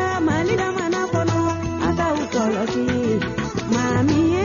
ma ma jakɔrɔ faama